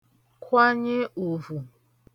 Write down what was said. kwanye ùvù